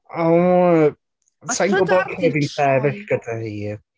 O, sa i'n gwybod lle fi'n sefyll gyda hi.